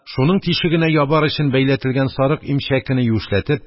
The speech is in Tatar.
Шуның тишегенә ябар өчен бәйләтелгән сарык имчәкене юешләтеп,